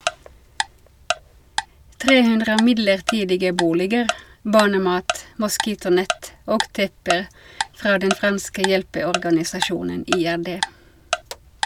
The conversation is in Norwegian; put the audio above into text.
300 midlertidige boliger , barnemat , moskitonett og tepper fra den franske hjelpeorganisasjonen IRD.